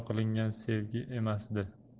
qilingan sevgi emasdi